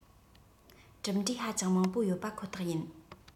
གྲུབ འབྲས ཧ ཅང མང པོ ཡོད པ ཁོ ཐག ཡིན